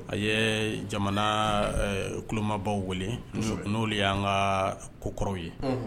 A ye jamana kumabaw wele n'o de y' an ka ko kɔrɔw ye